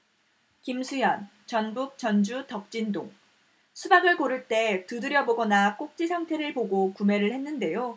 김수현 전북 전주 덕진동 수박을 고를 때 두드려보거나 꼭지 상태를 보고 구매를 했는데요